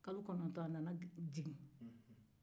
kalo kɔnɔnton dafalen a nana jigin